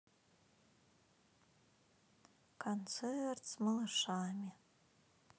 концерт с малышами